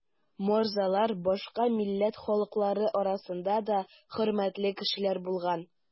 Морзалар башка милләт халыклары арасында да хөрмәтле кешеләр булган.